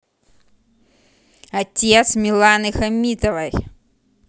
отец миланы хамитовой